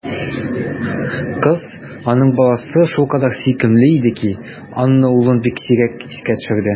Кыз, аның баласы, шулкадәр сөйкемле иде ки, Анна улын бик сирәк искә төшерде.